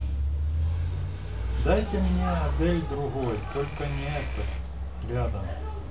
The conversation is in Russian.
дайте мне адель другой только не этот рядом